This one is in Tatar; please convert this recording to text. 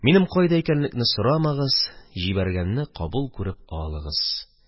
Минем кайда икәнлекне сорамагыз, җибәргәнне кабул күреп алыгыз».